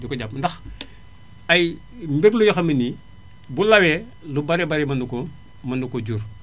di ko jàpp ndax ay mbir la yoo xam ne nii bu lawee lu baree bari mën na koo mën na koo jur